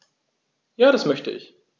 Ja, das möchte ich.